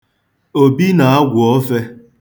Obi na-agwọ ofe.